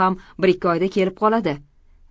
u ham bir ikki oyda kelib qoladi